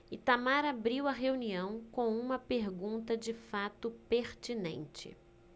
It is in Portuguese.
itamar abriu a reunião com uma pergunta de fato pertinente